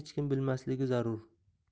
hech kim bilmasligi zarur